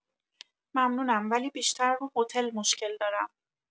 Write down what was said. ممنونم ولی بیشتر رو هتل مشکل دارم